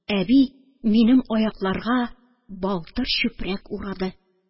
Әби минем аякларга балтыр чүпрәк урады.